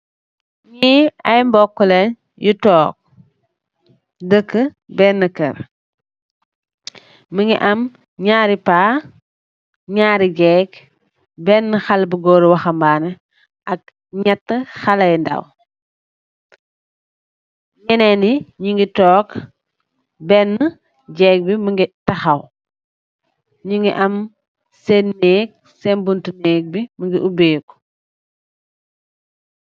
Ni ay mbokkleen yu took dëkk benn kërr mungi am ñaari paa naari jéeg benn xal bu góoru waxambaane ak nyate xalayu ndaw ñenee ni ñi ngi took benn jégg bi mi ngi taxaw ñi ngi am sen néeg sem bunt nég bi mi ngi ubeeku.